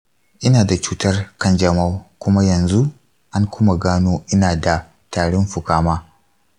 ina da cutar kanjamau kuma yanzu an kuma gano ina da tarin fuka ma.